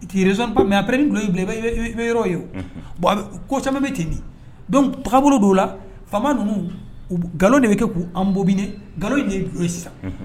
Mɛ apre nilo bila bɛ yɔrɔ ye o bon kɔ caman bɛ ten nin kaba bolo dɔw la faama ninnu u nkalonlo de bɛ kɛ k'uan bɔbi nkalon in de sisan